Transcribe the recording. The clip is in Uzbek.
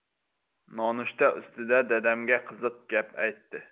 nonushta ustida dadamga qiziq gap aytdi